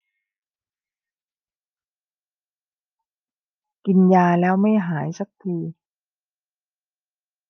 กินยาแล้วไม่หายสักที